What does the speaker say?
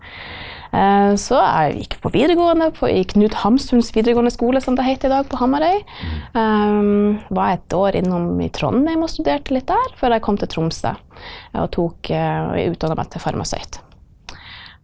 så jeg gikk på videregående på i Knut Hamsuns videregående skole som det heter i dag på Hamarøy var et år innom i Trondheim og studerte litt der før jeg kom til Tromsø og tok utdanna meg til farmasøyt.